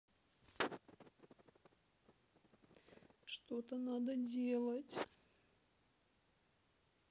что то надо делать